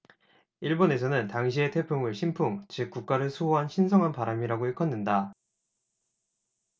일본에서는 당시의 태풍을 신풍 즉 국가를 수호한 신성한 바람이라고 일컫는다